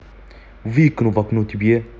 выкину в окно тебе